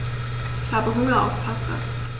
Ich habe Hunger auf Pasta.